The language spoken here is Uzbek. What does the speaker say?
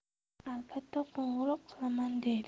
albatta qo'ng'iroq qilaman deydi